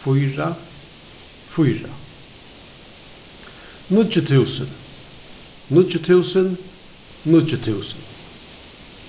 fýra fýra níggju túsund níggju túsund níggju túsund